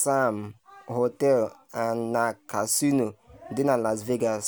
Palms Hotel and Casino dị na Las Vegas.